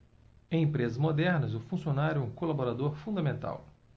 em empresas modernas o funcionário é um colaborador fundamental